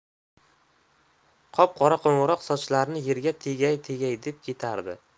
qop qora qo'ng'ir soch o'rimlari yerga tegay tegay deb ketardi